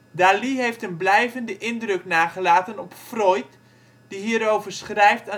Dalí heeft een blijvende indruk nagelaten op Freud, die hierover schrijft